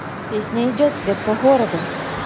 песня идет свет по городу